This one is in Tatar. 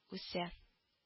Үсә